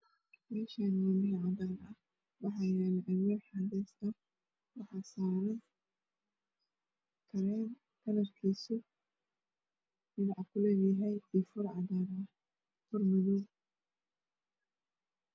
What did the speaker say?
Meshani waa meel cadan ah waxaa yala alwaax cadees ah waxaa saran karem kalar kiisu nanac kuleel yahay iyo fur cadan ah fur madow